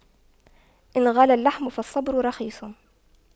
إن غلا اللحم فالصبر رخيص